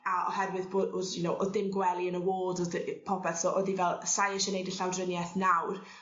a oherwydd bo- o'dd you know o'dd dim gwely yn y ward o'dd di- yy popeth so o'dd 'i fel yy sai isie neud y llawdrinieth nawr